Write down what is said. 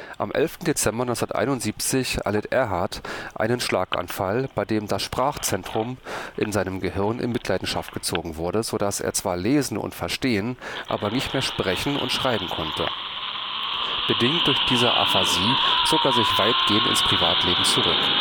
Am 11. Dezember 1971 erlitt Erhardt einen Schlaganfall, bei dem das Sprachzentrum in seinem Gehirn in Mitleidenschaft gezogen wurde, sodass er zwar lesen und verstehen, aber nicht mehr sprechen und schreiben konnte. Bedingt durch diese Aphasie zog er sich weitgehend ins Privatleben zurück